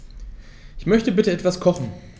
Ich möchte bitte etwas kochen.